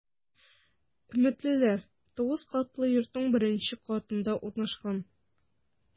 “өметлеләр” 9 катлы йортның беренче катында урнашкан.